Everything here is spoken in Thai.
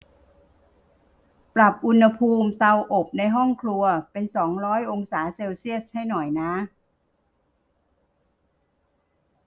ปรับอุณหภูมิเตาอบในห้องครัวเป็นสองร้อยองศาเซลเซียสให้หน่อยนะ